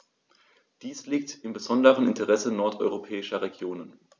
Dies liegt im besonderen Interesse nordeuropäischer Regionen.